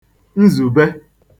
nzùbe